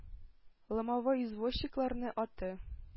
Ломовой извозчикларның аты